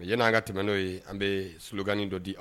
Ye'an ka tɛmɛ'o ye an bɛ sukanin dɔ di